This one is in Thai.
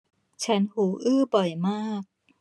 ฉันหูอื้อบ่อยมาก